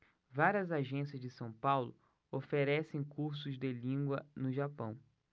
várias agências de são paulo oferecem cursos de língua no japão